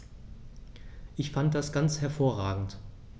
Ich fand das ganz hervorragend.